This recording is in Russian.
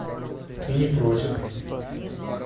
ты не против